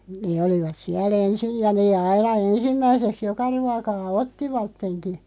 ne olivat siellä ensin ja ne aina ensimmäiseksi joka ruokaa ottivatkin